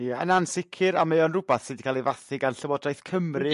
Ia. A... Na'n sicr a mae o'n rwbath sydd 'di ca'l ei fathu gan Llywodraeth Cymru.